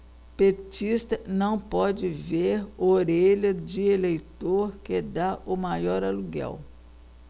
petista não pode ver orelha de eleitor que tá o maior aluguel